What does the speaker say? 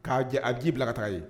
K'a a ji bila ka taga yen